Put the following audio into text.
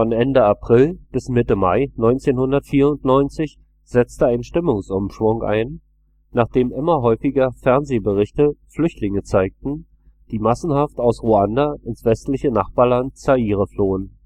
Ende April bis Mitte Mai 1994 setzte ein Stimmungsumschwung ein, nachdem immer häufiger Fernsehberichte Flüchtlinge zeigten, die massenhaft aus Ruanda ins westliche Nachbarland Zaire flohen